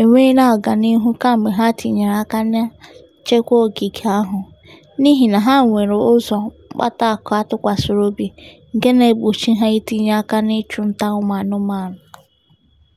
enweela ọganihu kemgbe ha tinyere aka na nchekwa ogige ahụ, n'ihi na ha nwere ụzọ mkpataakụ a tụkwasịrị obi nke na-egbochi ha itinye aka n'ịchụ nta ụmụanụmanụ.